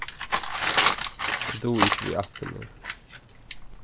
eg dugi ikki við appini